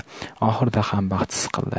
oxirida ham baxtsiz qildi